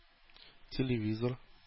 Телевизор